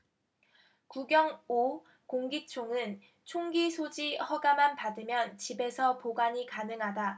구경 오 공기총은 총기소지 허가만 받으면 집에서 보관이 가능하다